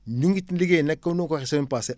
ñu ngi ci liggéey nag comme ni ma ko waxee semaine passée